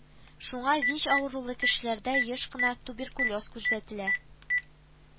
Шуңа ВИЧ авырулы кешеләрдә еш кына туберкулез күзәтелә